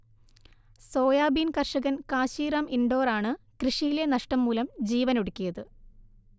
soybean കർഷകൻ കാശീറാം ഇൻഡോറാണ് കൃഷിയിലെ നഷ്ടം മൂലം ജീവനൊടുക്കിയത്